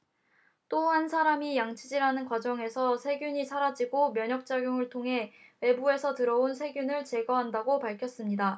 또 사람이 양치질하는 과정에서 세균이 사라지고 면역작용을 통해 외부에서 들어온 세균을 제거한다고 밝혔습니다